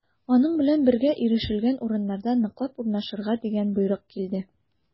Аның белән бергә ирешелгән урыннарда ныклап урнашырга дигән боерык килде.